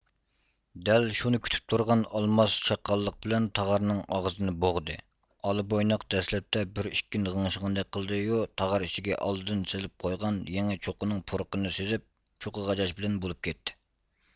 دەل شۇنى كۈتۈپ تۇرغان ئالماس چاققانلىق بىلەن تاغارنىڭ ئاغزىنى بوغدى ئالا بويناق دەسلەپتە بىر ئىككىنى غىڭشىغاندەك قىلدىيۇ تاغار ئىچىگە ئالدىن سېلىپ قويغان يېڭى چوققىنىڭ پۇرىقىنى سىزىپ چوققا غاجاش بىلەن بولۇپ كەتتى